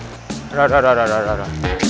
rồi rồi rồi rồi rồi